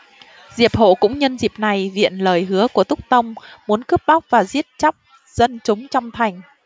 diệp hộ cũng nhân dịp này viện lời hứa của túc tông muốn cướp bóc và giết chóc dân chúng trong thành